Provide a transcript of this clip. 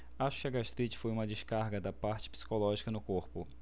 acho que a gastrite foi uma descarga da parte psicológica no corpo